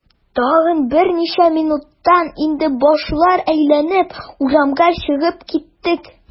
Тагын берничә минуттан инде башлар әйләнеп, урамга чыгып киттек.